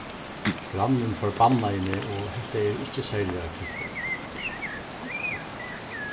grannin forbannaði meg og hetta er ikki serliga kristiligt